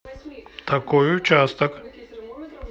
такой участок